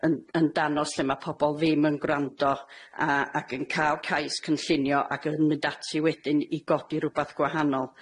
yn yn danos lle ma' pobol ddim yn gwrando a ac yn ca'l cais cynllunio ac yn mynd ati wedyn i godi rwbath gwahanol.